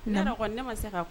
Naamu; Ne yɛrɛ kɔnni, ne ma se ka